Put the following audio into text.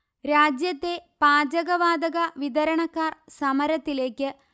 രാജ്യത്തെ പാചക വാതക വിതരണക്കാർ സമരത്തിലേക്ക്